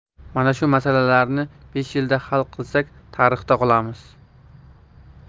mana shu masalalarni besh yilda hal qilsak tarixda qolamiz